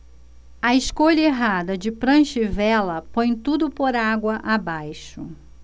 a escolha errada de prancha e vela põe tudo por água abaixo